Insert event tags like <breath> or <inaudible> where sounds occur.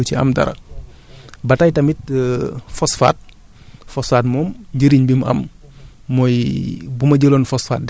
gàncax bi rekk moo koy jëfandikoo mais suuf bi moom du ci am dara <breath> ba tey tamit <hesitation> phosphate <breath> phosphate moom njëriñ bi mu am